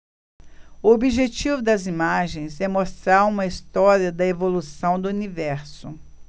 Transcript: o objetivo das imagens é mostrar uma história da evolução do universo